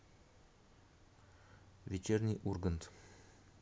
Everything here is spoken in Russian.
вечерний ургант